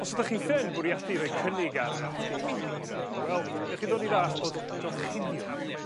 Os ydach chithe yn bwriadu roi cynnig ar yr dull di-raw wel newch chi ddod i dd'all bod gorchuddion